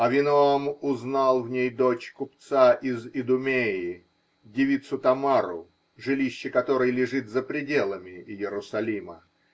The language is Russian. Авиноам узнал в ней дочь купца из Идумеи, девицу Тамару, жилище которой лежит за пределами Иерусалима.